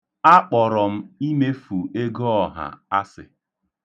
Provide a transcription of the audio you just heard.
Akpọrọ m imefu ego ọha asị.